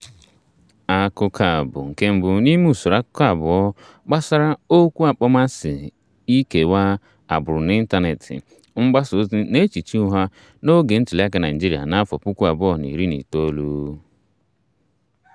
Akụkọ a bụ nke mbụ n'ime usoro akụkọ abụọ gbasara okwu akpọmasị ịkewa agbụrụ n'ịntaneetị, mgbasaozi na echiche ụgha n'oge ntuliaka Naịjirịa n'afọ puku abụọ na iri na itoolu.